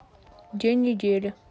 день недели